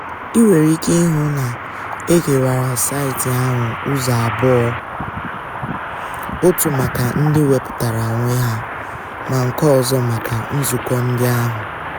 I nwere ike ịhụ na e kewara saịtị ahụ ụzọ abụọ: otu maka ndị wepụtara onwe ha ma nke ọzọ maka nzụkọ ndị ahụ.